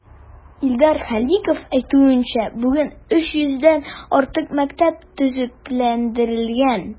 Илдар Халиков әйтүенчә, бүген 700 дән артык мәктәп төзекләндерелгән.